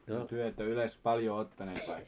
te ette yleensä paljoa ottaneet vai